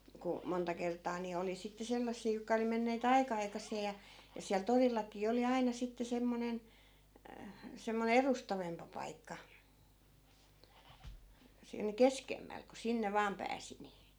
kun monta kertaa niin oli sitten sellaisia jotka oli menneet aika aikaiseen ja ja siellä torillakin oli aina sitten semmoinen semmoinen edustavampi paikka siinä keskemmällä kun sinne vain pääsi niin